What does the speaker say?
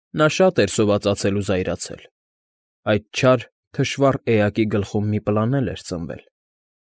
Նա շատ էր սովածացել ու զայրացել։ Այդ չար, թշվառ էակի գլխում մի պլան էր ծնվել։